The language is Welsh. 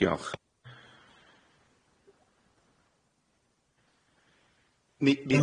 Diolch.